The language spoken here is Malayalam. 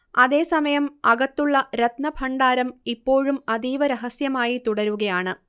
അതേസമയം, അകത്തുള്ള രത്നഭണ്ഡാരം ഇപ്പോഴും അതീവ രഹസ്യമായി തുടരുകയാണ്